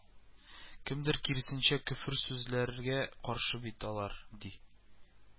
Кемдер кирсенчә көфер сүзләргә каршы бит алар, ди